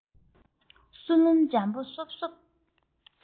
གསོ རླུང འཇམ པོ སོབ སོབ